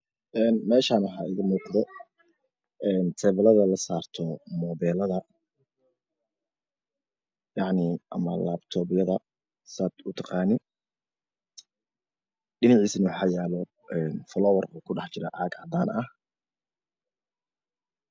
En meshan waxa iga muqdoeen tebolada lasarto mobelada yacni ama labtokyada sa utaQantit dhinicisa waxa yalo een folowarka ku dhaxjiro cag cadan ah